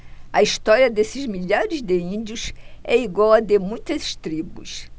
a história desses milhares de índios é igual à de muitas tribos